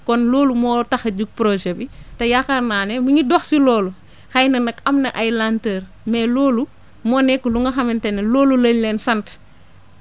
kon loolu moo tax a jug projet bi te yaakaar naa ne mu ngi dox si loolu xëy na nag am na ay lenteur te loolu moo nekk lu nga xamante ne loolu lañ leen sant